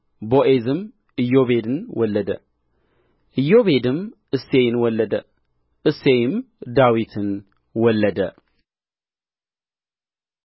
ቦዔዝም ኢዮቤድን ወለደ ኢዮቤድም እሴይን ወለደ እሴይም ዳዊትን ወለደ